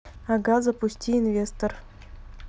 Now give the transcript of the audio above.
ага запусти инвестор